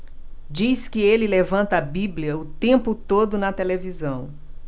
diz que ele levanta a bíblia o tempo todo na televisão